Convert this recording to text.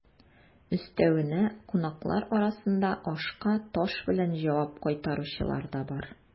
Өстәвенә, кунаклар арасында ашка таш белән җавап кайтаручылар да бар.